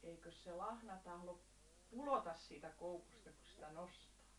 eikös se lahna tahdo pudota siitä koukusta kun sitä nostaa